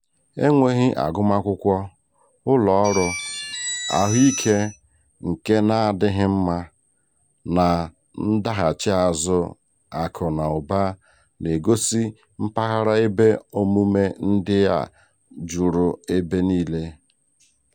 Enweghị agụmakwụkwọ, ụlọ ọrụ ahụike nke na-adịghị mma na ndaghachi azụ akụ na ụba na-egosi mpaghara ebe omume ndị a juru ebe niile.